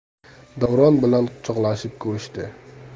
davron bilan quchoqlashib ko'rishdi